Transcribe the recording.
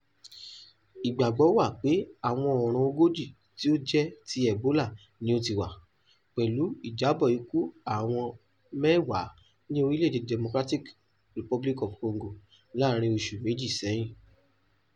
Ìgbàgbọ́ wà pé àwọn ọ̀ràn 40 tí ó jẹ́ tí ebola ni ó ti wà, pẹ̀lú ìjábọ̀ ikú àwọn mẹ́wàá ní orílẹ̀ èdè Democratic Republic of Congo láàárín oṣù méjì sẹ́yìn.